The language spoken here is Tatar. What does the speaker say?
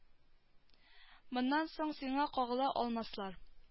Моннан соң сиңа кагыла алмаслар